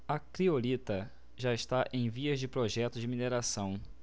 a criolita já está em vias de projeto de mineração